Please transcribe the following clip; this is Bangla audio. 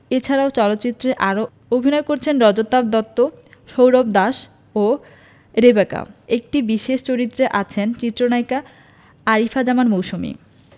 এছাড়াও চলচ্চিত্রে আরও অভিনয় করেছেন রজতাভ দত্ত সৌরভ দাস ও রেবেকা একটি বিশেষ চরিত্রে আছেন চিত্রনায়িকা আরিফা জামান মৌসুমী